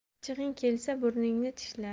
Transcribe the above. achchig'ing kelsa burningni tishla